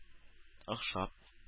Охшап